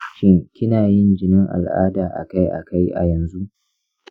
shin kina yin jinin al'ada a kai a kai a yanzu?